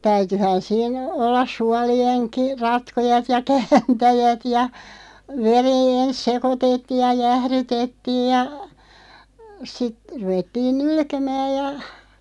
täytyihän siinä olla suolienkin ratkojat ja kääntäjät ja veri ensin sekoitettiin ja jäähdytettiin ja sitten ruvettiin nylkemään ja